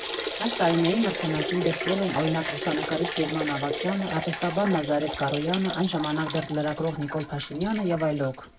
Այս տարիներին մրցանակին գրկել են, օրինակ՝ լուսանկարիչ Գերման Ավագյանը, արվեստաբան Նազարեթ Կարոյանը, այն ժամանակ դեռ լրագրող Նիկոլ Փաշինյանը, և այլք։